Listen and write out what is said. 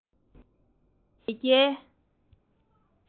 རླབས ཆེན གྱི མེས རྒྱལ